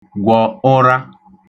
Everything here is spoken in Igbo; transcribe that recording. gwọ ụra